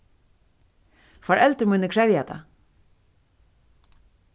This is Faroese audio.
foreldur míni krevja tað